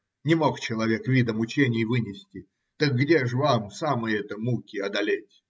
Не мог человек вида мучений вынести, так где ж вам самые-то муки одолеть?.